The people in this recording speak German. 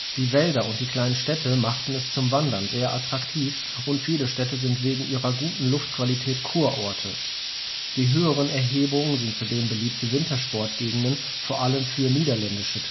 Die Wälder und die kleinen Städte machen es zum Wandern sehr attraktiv, und viele Städte sind wegen ihrer guten Luftqualität Kurorte. Die höheren Erhebungen sind zudem beliebte Wintersportgegenden, vor allem für niederländische